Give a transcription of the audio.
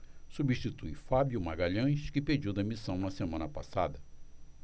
substitui fábio magalhães que pediu demissão na semana passada